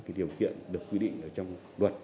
các điều kiện được quy định ở trong luật